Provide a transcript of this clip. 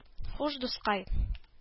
Хуш, дускай